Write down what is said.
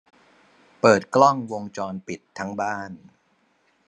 เปิดกล้องวงจรปิดทั้งบ้าน